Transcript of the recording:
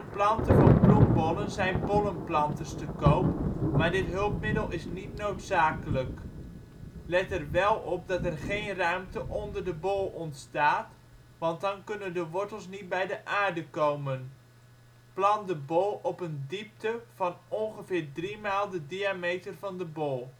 planten van bloembollen zijn bollenplanters te koop, maar dit hulpmiddel is niet noodzakelijk. Let er wel op dat er geen ruimte onder de bol ontstaat, want dan kunnen de wortels niet bij de aarde komen. Plant de bol op een diepte van ongeveer driemaal de diameter van de bol